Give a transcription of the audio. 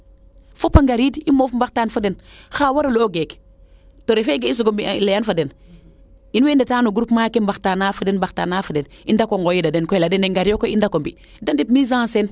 fopa ngariid im moof mbaxtaan fo den xa waralu o geek te refe ka i soogo mbiyan leyan fa den in way ndeta no groupement ke mbaxtana fa den mbaxtana fa den i ndako ngoyidaden koy leya dene ngaryo koy i ndako mbi de ref mise en scene